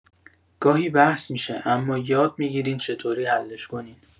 گاهی بحث می‌شه، اما یاد می‌گیرین چطوری حلش کنین.